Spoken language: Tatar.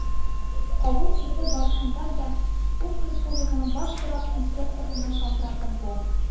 Кабул итү барышында ук республиканың баш торак инспекторына шалтыратып, бу